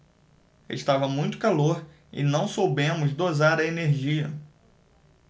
estava muito calor e não soubemos dosar a energia